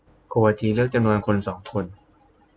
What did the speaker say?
โกวาจีเลือกจำนวนคนสองคน